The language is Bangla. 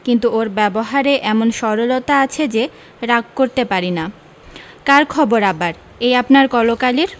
কিন্তু ওর ব্যবহারে এমন সরলতা আছে যে রাগ করতে পারি না কার খবর আবার এই আপনার কলকালির